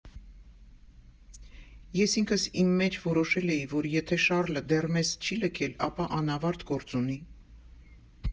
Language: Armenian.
Ես ինքս իմ մեջ որոշել էի, որ եթե Շառլը դեռ մեզ չի լքել, ապա անավարտ գործ ունի։